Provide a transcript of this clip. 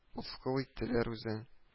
– мыскыл иттеләр үзен